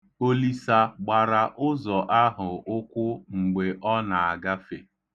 Olisa gbara ụzọ ahụ ụkwụ mgbe ọ na-agafe.